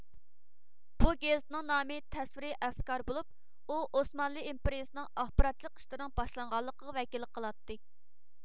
بۇ گېزىتنىڭ نامى تەسۋىرىي ئەفكار بولۇپ ئۇ ئوسمانلى ئىمپېرىيىسىنىڭ ئاخباراتچىلىق ئىشلىرىنىڭ باشلانغانلىقىغا ۋەكىللىك قىلاتتى